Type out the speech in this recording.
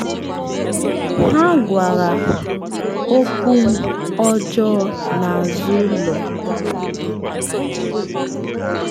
“Ha gwara okwu m ọjọọ n’azụ ụlọ.